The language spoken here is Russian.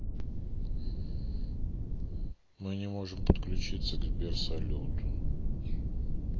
мы не можем подключиться к сбер салюту